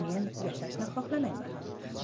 men yashashni xohlamayman